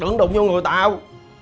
đừng có đụng dô người tao